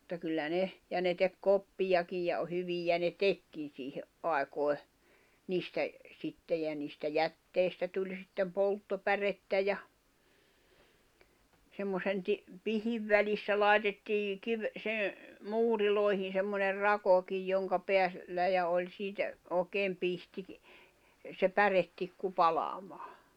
mutta kyllä ne ja ne teki koppiakin ja - hyviä ne tekikin siihen aikoihin niistä sitten ja niistä jätteistä tuli sitten polttopärettä ja semmoisen - pihdin välissä laitettiin - sen muureihin semmoinen rakokin jonka - päällä ja oli siitä oikein pihtikin se päretikku palamaan